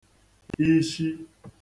ishi